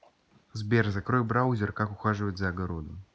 сбер закрой браузер как ухаживать за огородом